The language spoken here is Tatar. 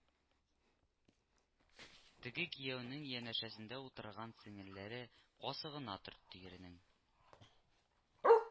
Теге кияүнең янәшәсендә утырган сеңелләре касыгына төрте иренең